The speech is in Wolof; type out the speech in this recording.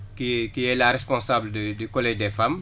qui qui est la responsable du du collège des femmes